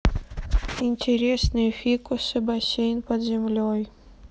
интересные фикусы бассейн под землей